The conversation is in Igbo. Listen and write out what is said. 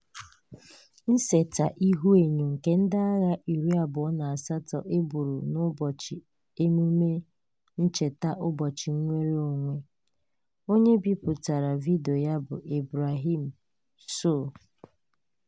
Nseta ihuenyo nke ndị agha 28 e gburu n'Ụbọchị Emume Ncheta Ụbọchị Nnwereonwe - Onye bipụtara vidiyo bụ Ibrahima Sow.